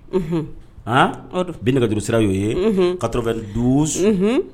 Binkaj sira y'o ye ka duun